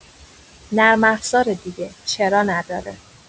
نرم افزاره دیگه، چرا نداره!